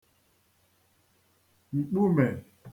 m̀kpumè